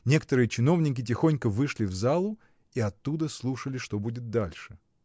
Некоторые чиновники тихонько вышли в залу и оттуда слушали, что будет дальше.